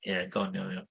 Ie, doniol iawn.